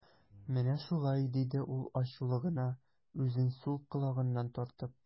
Менә шулай, - диде ул ачулы гына, үзен сул колагыннан тартып.